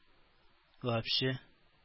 Вообще